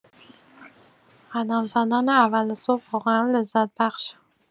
قدم زدن اول صبح واقعا لذت بخشه